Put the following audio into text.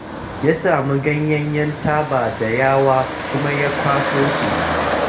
Ya sami ganyayen taba da yawa kuma ya kwaso su.